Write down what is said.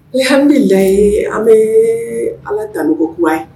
hadulilayi an bɛ ala dan kura ye